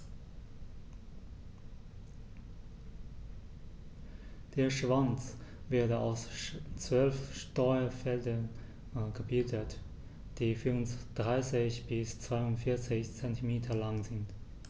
Der Schwanz wird aus 12 Steuerfedern gebildet, die 34 bis 42 cm lang sind.